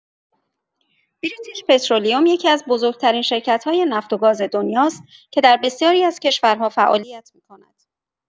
بریتیش‌پترولیوم یکی‌از بزرگ‌ترین شرکت‌های نفت و گاز دنیاست که در بسیاری از کشورها فعالیت می‌کند.